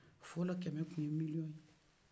fɔlɔ kɛmɛ tun ye miliɲɔn ye